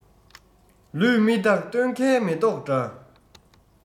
ལུས མི རྟག སྟོན ཁའི མེ ཏོག འདྲ